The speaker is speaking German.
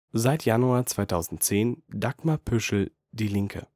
seit Januar 2010 Dagmar Püschel (Die Linke